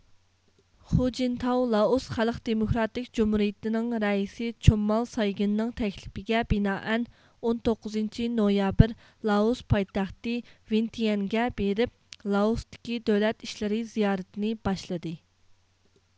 خۇجىنتاۋ لائوس خەلق دېموكراتىك جۇمھۇرىيىتىنىڭ رەئىسى چوممال سايگىننىڭ تەكلىپىگە بىنائەن ئون توققۇزىنچى نويابىر لائوس پايتەختى ۋىنتىيەنگە بېرىپ لائوستىكى دۆلەت ئىشلىرى زىيارىتىنى باشلىدى